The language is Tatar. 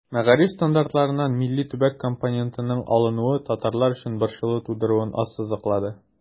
Мәгариф стандартларыннан милли-төбәк компонентының алынуы татарлар өчен борчылу тудыруын ассызыклады.